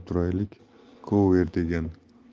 turaylik cover degan